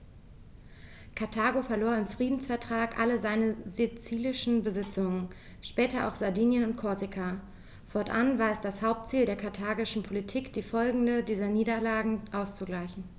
Karthago verlor im Friedensvertrag alle seine sizilischen Besitzungen (später auch Sardinien und Korsika); fortan war es das Hauptziel der karthagischen Politik, die Folgen dieser Niederlage auszugleichen.